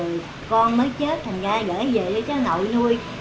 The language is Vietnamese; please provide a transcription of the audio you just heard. con mới chết thành ra gởi dề cho cháu nội nuôi